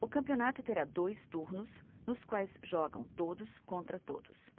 o campeonato terá dois turnos nos quais jogam todos contra todos